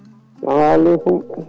salamu aleykum